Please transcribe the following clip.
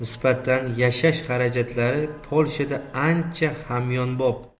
nisbatan yashash xarajatlari polshada ancha hamyonbop